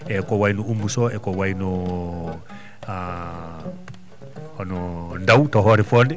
eyyi ko wayno Oumou Sow en eko wayno hono Ndaw to Oréfondé